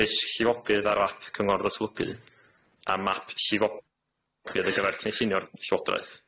risg llifogydd ar ap cyngor ddatblygu a map llifogydd ar gyfer cynllunio'r llywodraeth.